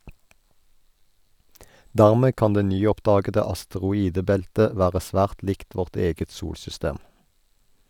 Dermed kan det nyoppdagede asteroidebelte være svært likt vårt eget solsystem.